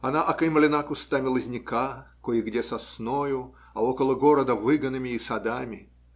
Она окаймлена кустами лозняка, кое-где сосною, а около города выгонами и садами.